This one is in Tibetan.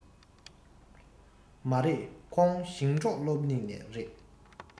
མ རེད ཁོང ཞིང འབྲོག སློབ གླིང ནས རེད